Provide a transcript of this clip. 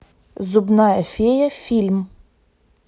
зубная фея фильм